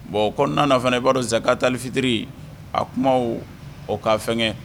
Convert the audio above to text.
Bon ko nana fana ye ba'dɔ sa' taali fitiri a kuma o k kaa fɛn kɛ